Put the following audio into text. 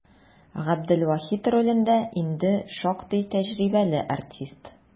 Габделвахит ролендә инде шактый тәҗрибәле артист.